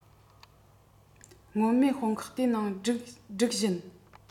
སྔོན མེད དཔུང ཁག དེ ནང སྒྲིག བཞིན